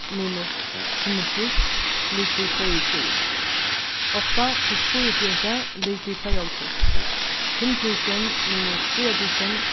minus fimmogtrýss ligvið tveyogtjúgu átta pluss fýraogfjøruti er ligvið tveyoghálvtrýss fimm túsund minus fýra túsund